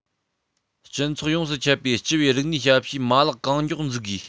སྤྱི ཚོགས ཡོངས སུ ཁྱབ པའི སྤྱི པའི རིག གནས ཞབས ཞུའི མ ལག གང མགྱོགས འཛུགས དགོས